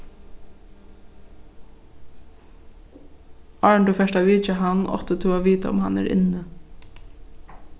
áðrenn tú fert at vitja hann átti tú at vitað um hann er inni